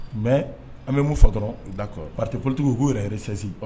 Mɛ an bɛ mun fa dɔrɔn da kɔ pate politigiw k'u yɛrɛcsin